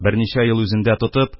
Берничә ел үзендә тотып